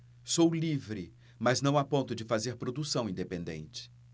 sou livre mas não a ponto de fazer produção independente